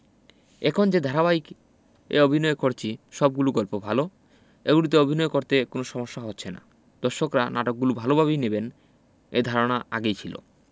এখন যে ধারাবাহিকে অভিনয় করছি সবগুলো গল্প ভালো এগুলোতে অভিনয় করতে কোনো সমস্যাও হচ্ছে না দর্শকরা নাটকগুলো ভালোভাবেই নেবেন এ ধারণা আগেই ছিল